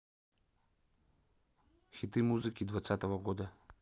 хиты музыки двадцатого года